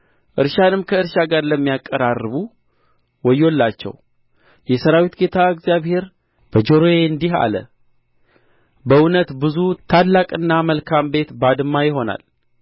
እርሻንም ከእርሻ ጋር ለሚያቀራርቡ ወዮላቸው የሠራዊት ጌታ እግዚአብሔር በጆሮዬ እንዲህ አለ በእውነት ብዙ ታላቅና መልካም ቤት ባድማ ይሆናል